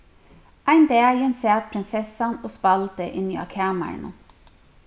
ein dagin sat prinsessan og spældi inni á kamarinum